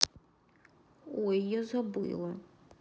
ой я забыла